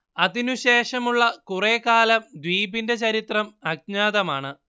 അതിനു ശേഷമുള്ള കുറെ കാലം ദ്വീപിന്റെ ചരിത്രം അജ്ഞാതമാണ്